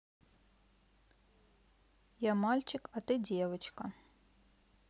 я мальчик а ты девочка